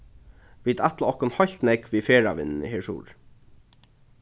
vit ætla okkum heilt nógv við ferðavinnuni her suðuri